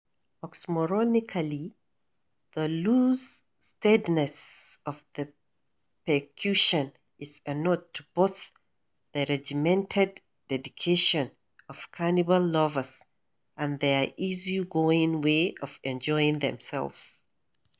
Oxymoronically, the loose steadiness of the percussion is a nod to both the regimented dedication of Carnival lovers and their easygoing way of enjoying themselves.